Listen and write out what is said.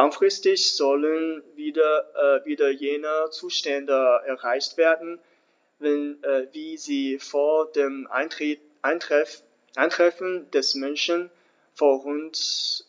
Langfristig sollen wieder jene Zustände erreicht werden, wie sie vor dem Eintreffen des Menschen vor rund